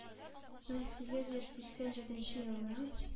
Мең сигез йөз сиксән җиденче елның